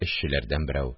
Эшчеләрдән берәү